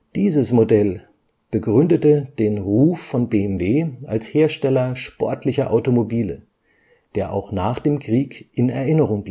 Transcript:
Dieses Modell begründete den Ruf von BMW als Hersteller sportlicher Automobile, der auch nach dem Krieg in Erinnerung